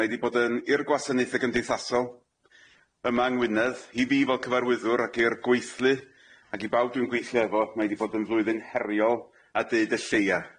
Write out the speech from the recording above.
Mae 'di bod yn i'r gwasanaethe gymdeithasol yma yng Ngwynedd i fi fel cyfarwyddwr ac i'r gweithlu ac i bawb dwi'n gweithio efo mae di bod yn flwyddyn heriol a deud y lleia.